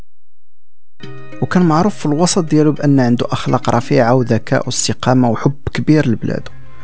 وكان معروف في القصدير بانه اخلاق رفيعه ودك اصدقاء مو حب كبير البلاد